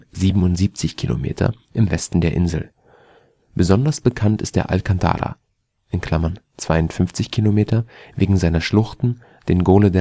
77 km) im Westen der Insel. Besonders bekannt ist der Alcantara (52 km) wegen seiner Schluchten, den Gole